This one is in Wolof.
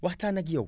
waxtaan ak yow